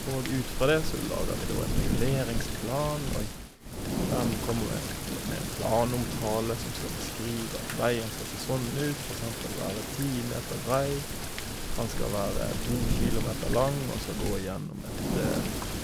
Og ut fra det så lager vi da en reguleringsplan, og den kommer med en pl med en planomtale som skal beskrive at veien skal se sånn ut, for eksempel være ti meter brei, han skal være to kilometer lang, og han skal gå gjennom et